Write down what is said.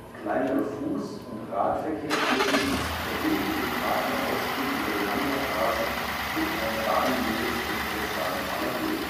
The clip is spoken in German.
Kleinere Fuß - und Radverkehrsbrücken verbinden den Park nach Osten über die Hansastraße und eine Bahnlinie mit der Schwanthalerhöhe